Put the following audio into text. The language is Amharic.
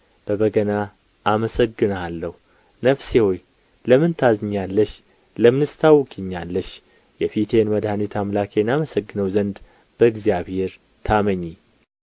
በበገና አመሰግንሃለሁ ነፍሴ ሆይ ለምን ታዝኛለሽ ለምንስ ታውኪኛለሽ የፊቴን መድኃኒት አምላኬን አመሰግነው ዘንድ በእግዚአብሔር ታመኚ